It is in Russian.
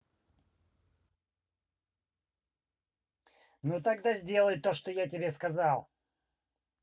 ну тогда сделай то что я тебе сказал